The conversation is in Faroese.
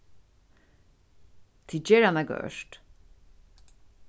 tit gera nakað ørt